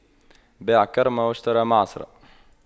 باع كرمه واشترى معصرة